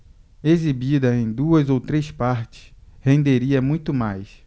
exibida em duas ou três partes renderia muito mais